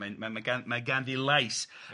Mae'n mae'n mae'n gand- mae ganddi lais... Ia.